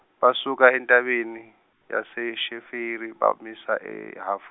basuka entabeni yaseSheferi bamisa eHaf-.